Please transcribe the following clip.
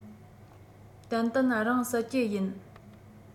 ཏན ཏན རང བསད ཀྱི ཡིན